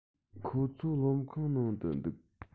ཁོ ཚོ སློབ ཁང ནང དུ འདུག